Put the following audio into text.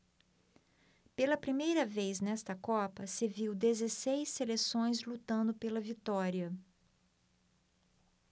pela primeira vez nesta copa se viu dezesseis seleções lutando pela vitória